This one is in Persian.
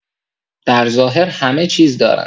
در ظاهر همه‌چیز دارم.